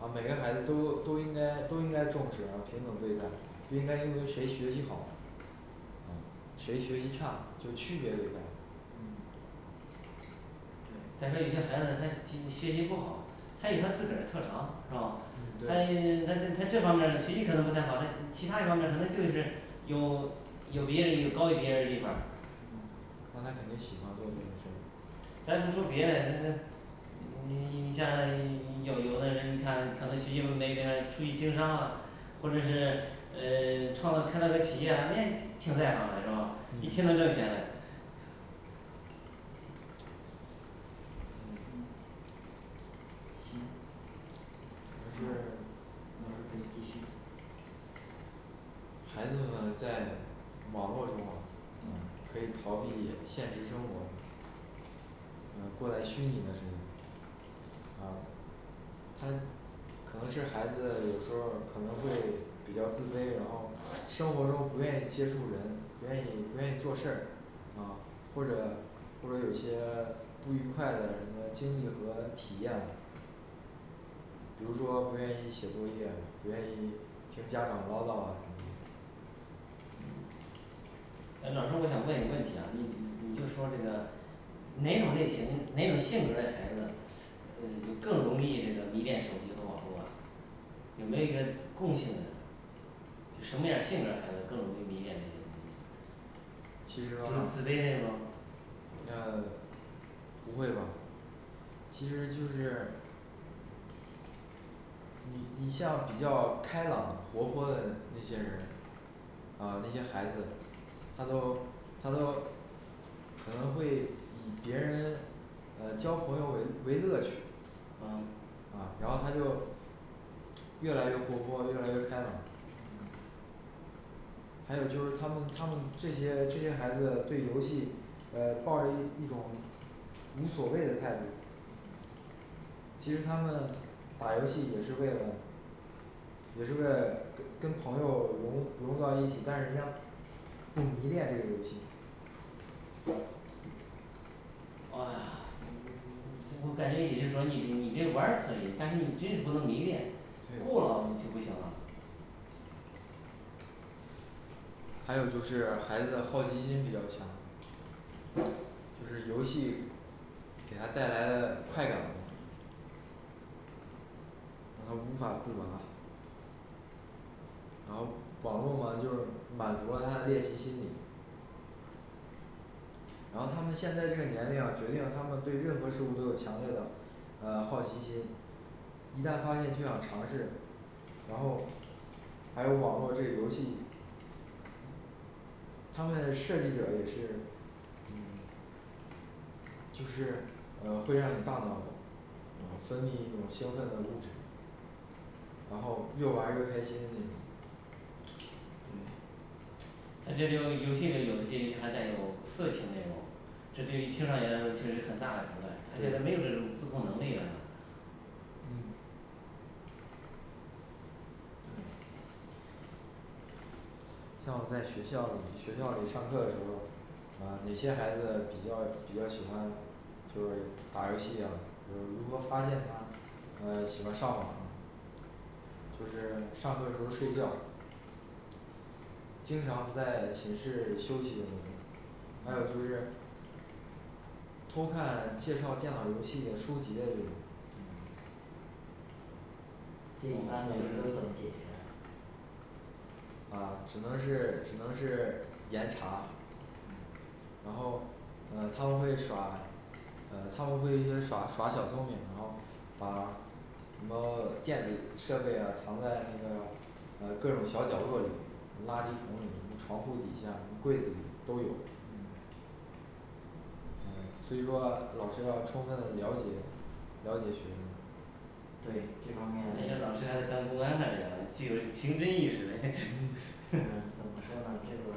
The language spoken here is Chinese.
啊每个孩子都都应该都应该重视而平等对待不应该因为谁学习好嗯谁学习差就区别对待嗯对再说有些孩子他学 学习不好他有他自个儿的特长是吧？嗯他对嗯 他他这方面儿学习可能不太好，他其他一方面儿可能就是有有别哩高于别人地方儿嗯那他肯定喜欢做这种事儿咱不说别嘞这这你像有有的人你看可能学习没没出去经商啦或者是呃 创造开造个企业啦人家挺在行嘞是吧一嗯些能挣钱嘞嗯嗯行而是老师可以继续孩子呢在网络中嗯可以逃避现实生活呃过在虚拟的世界啊他可能是孩子有时候儿可能会比较自卑然后生活中不愿意接触人不愿意不愿意做事儿啊或者或者有些不愉快的那个经历和体验比如说不愿意写作业不愿意听家长唠叨啊什么哎老师我想问你个问题啊你你你就说这个哪种类型哪种性格儿的孩子呃就更容易这个迷恋手机和网络啊有没有一个共性的就是什么样儿性格儿孩子更容易迷恋这些自其实吧自卑嘞吗呃不会吧其实就是你你像比较开朗活泼的那些人儿啊那些孩子他都他都可能会嗯别人呃交朋友为为乐趣嗯啊然后他就越来越活泼越来越开朗嗯还有就是他们他们这些这些孩子对游戏呃抱着一一种无所谓的态度其实他们打游戏也是为了也是为了跟 跟朋友融融入到一起但是人家不迷恋这个游戏哦呀嗯 我感觉也就是说你的你这玩儿可以但是你真是不能迷恋对过咯就不行啦还有就是孩子的好奇心比较强就是游戏给他带来的快感嘛让他无法自拔然后网络嘛就是满足了他的猎奇心理然后他们现在这个年龄决定了他们对任何事物都有强烈的呃好奇心一旦发现就想尝试然后还有网络这个游戏他们的设计者也是嗯就是会让你大脑呃分泌一种兴奋的物质然后越玩儿越开心那种对他这就游戏里有些还带有色情内容这对于青少年来说却是很大嘞毒害他现在对没有这种自控能力嘞还嗯对像我在学校里学校里上课的时候呃哪些孩子比较比较喜欢就是打游戏啊就是如何发现他呃喜欢上网啊就是上课时候儿睡觉经常不在寝室休息的那种还有就是偷看介绍电脑游戏的书籍的那种嗯这一般的你都是怎么解决的呃只能是只能是严查嗯然后呃他们会耍呃他们会因为耍耍小小聪明然后把什么电子设备啊藏在那个呃各种小角落里呃垃圾桶里床铺底下柜子里都有嗯呃所以说老师要充分了解了解学生对这方面人家老师还当公安呢这个具有刑侦意识嘞， 怎么说呢这个